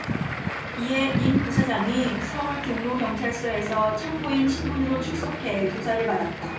이에 임 부시장이 서울 종로경찰서에서 참고인 신분으로 출석해 조사를 받았다